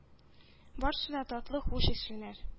Барсы да татлы хуш ислеләр.